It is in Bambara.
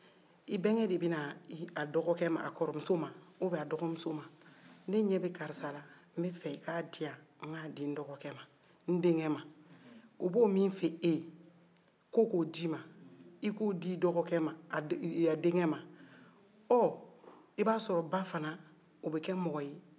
i bɛnkɛ de bɛna a dɔgɔkɛ ma a kɔrɔmuso ma ubiyɛ a dɔgɔmuso ma ne yɛbɛ karisa la n bɛ fɛ i k'a diya n diya n ka di n dɔgɔkɛ ma n denkɛ ma o b'o min f'e ye ko k'o d'i man i k'u di dɔgɔkɛ ma a ee a denkɛ ma ɔ i b'a sɔrɔ ba fana o bɛ kɛ mɔgɔ ye